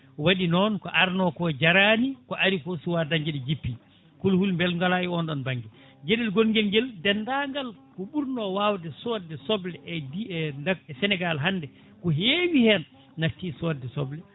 waɗi noon ko arno ko jarani ko ari ko suwa dañde ɗo jippi kuluhuli beele gala e oɗon banggue gueɗel gonguel ngeul dendagal ko ɓurno wawde sodde soble e ji e nder Sénégal hande ko hewi hen natti sodde soble